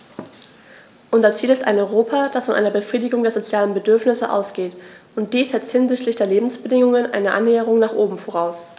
Unser Ziel ist ein Europa, das von einer Befriedigung der sozialen Bedürfnisse ausgeht, und dies setzt hinsichtlich der Lebensbedingungen eine Annäherung nach oben voraus.